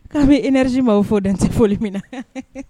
K'an bɛ iɛji ma fɔ dante foli min na